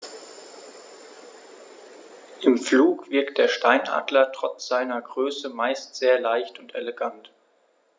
Im Flug wirkt der Steinadler trotz seiner Größe meist sehr leicht und elegant.